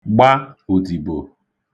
gba òdìbò